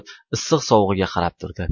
issiq sovug'iga qarab turdi